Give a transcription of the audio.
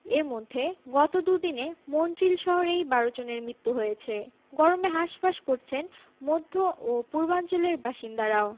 এর মধ্যে গত দুদিনে মন্ট্রিল শহরেই ১২ জনের মৃত্যু হয়েছে গরমে হাসফাঁস করছেন মধ্য ও পূর্বাঞ্চলের বাসিন্দারাও